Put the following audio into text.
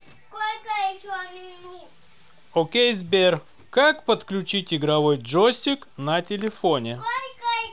окей сбер как подключить игровой джойстик на телефоне